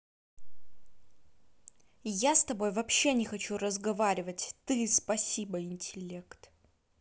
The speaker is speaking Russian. я с тобой вообще не хочу разговаривать ты спасибо интелект